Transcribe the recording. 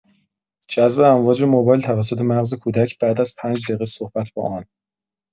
جذب امواج موبایل توسط مغز کودک بعد از ۵ دقیقه صحبت با آن!